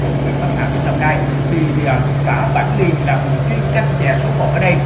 của huyện bắc hà tỉnh lào cai thì gì à xã bản liền là vùng chuyên canh chè số một ở đây